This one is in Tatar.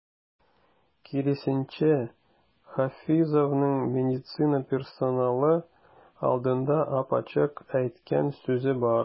Киресенчә, Хафизовның медицина персоналы алдында ап-ачык әйткән сүзе бар.